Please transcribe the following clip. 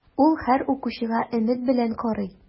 Ул һәр укучыга өмет белән карый.